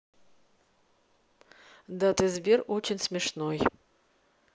да ты сбер очень смешной